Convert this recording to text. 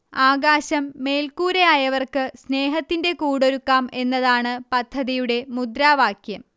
ആകാശം മേൽക്കൂരയായവർക്ക് സ്നേഹത്തിന്റെ കൂടൊരുക്കാം എന്നതാണ് പദ്ധതിയുടെ മുദ്രാവാക്യം